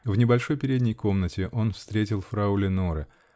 В небольшой передней комнате он встретил фрау Леноре.